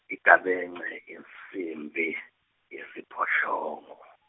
igabence, insimbi, yesiphohlongo.